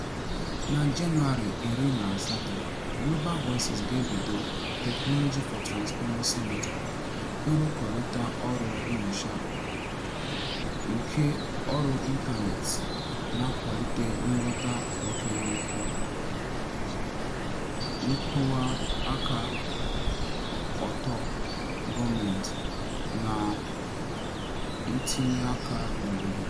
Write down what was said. Na Jenụwarị 18 Global Voices ga-ebido Technology for Transparency Network, nrụkọrịta ọrụ nnyocha nke ọrụ ịntanetị na-akwalite nghọta nke ukwuu, nkwụwa aka ọtọ gọọmentị, na ntinye aka n'obodo.